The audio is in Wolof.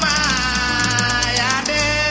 xam nga même sax gerte sax parfois